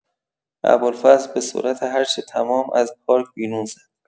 ابوالفضل به‌سرعت هرچه تمام از پارک بیرون زد.